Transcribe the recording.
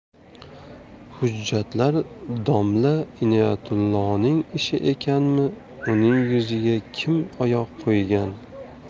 hujjatlar domla inoyatulloning ishi ekanmi uning yuziga kim oyoq qo'ygan